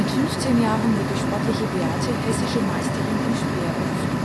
15 Jahren wird die sportliche Beate hessische Meisterin im Speerwerfen